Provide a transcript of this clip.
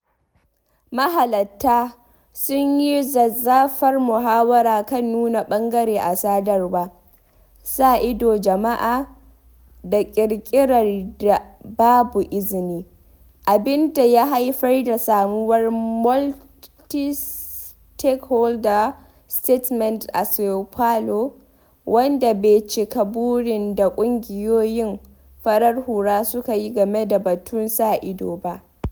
Mahalarta sun yi zazzafar muhawara kan nuna ɓangare a sadarwa, sa idon jama'a, da ƙirƙirar da “babu izini”, abinda ya haifar da samuwar Multistakeholder Statement of Sao Paulo, wanda bai cika burin da ƙungiyoyin farar hula suka yi game da batun sa ido ba.